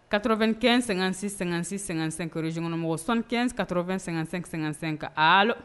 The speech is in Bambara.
Kato2-ɛn--sɛ-sɛsɛkrisiekkɔnɔmɔgɔ sɔnɛn kat2---sɛ kan ali